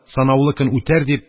«санаулы көн үтәр» дип,